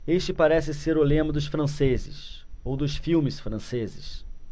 este parece ser o lema dos franceses ou dos filmes franceses